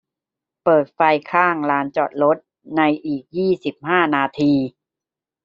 เปิดไฟข้างลานจอดรถในอีกยี่สิบห้านาที